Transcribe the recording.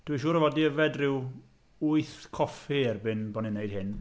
Dwi'n siŵr o fod 'di yfed rhyw wyth coffi erbyn bod ni'n wneud hyn.